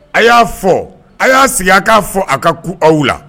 A y'a fɔ a y'a sigi'a fɔ a ka ku aw la